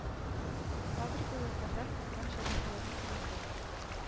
Фабрикага сәфәр тоткан шәкертләрнең күбесе